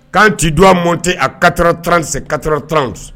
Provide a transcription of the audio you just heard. K'an ti du a mɔn tɛ a katara t se katara tran